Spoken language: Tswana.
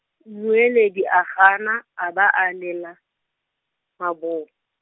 Mmueledi a gana a ba a lela, mabo-.